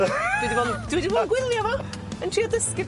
Dwi 'di bod 'n, dwi 'di bod yn gwylio fo, yn trio dysgu